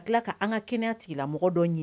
A tila ka an ka kɛnɛya tigɛla dɔn ɲini